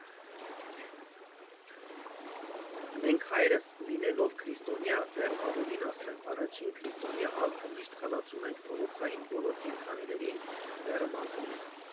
Մենք՝ հայերս, լինելով քրիստոնյա, դեռ ավելին ասեմ՝ առաջին քրիստոնյա ազգը, միշտ հալածում ենք փողոցային բոլոր կենդանիներին, դեռ մանկուց։